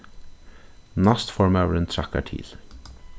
næstformaðurin traðkar til